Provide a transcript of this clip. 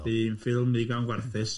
Bydd hi'n ffilm ddigon gwarthus...